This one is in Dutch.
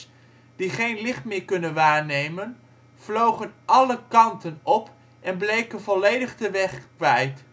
die geen licht meer kunnen waarnemen, vlogen alle kanten op en bleken volledig de weg kwijt